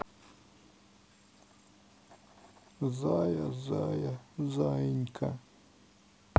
зая зая заинька